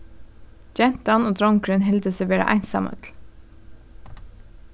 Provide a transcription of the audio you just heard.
gentan og drongurin hildu seg vera einsamøll